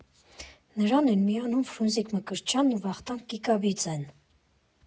Նրան են միանում Ֆրունզիկ Մկրտչյանն ու Վախթանգ Կիկաբիձեն։